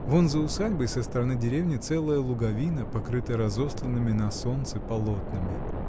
Вон за усадьбой, со стороны деревни, целая луговина покрыта разостланными на солнце полотнами.